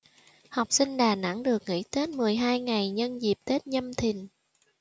học sinh đà nẵng được nghỉ tết mười hai ngày nhân dịp tết nhâm thìn